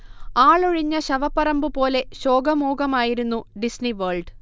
ആളൊഴിഞ്ഞ ശവപ്പറമ്പ് പോലെ ശോകമൂകമായിരുന്നു ഡിസ്നി വേൾഡ്